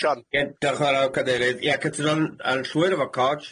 John. Ie diolch yn fawr o gadeirydd. Ie cytuno'n yn llwyr efo Codge.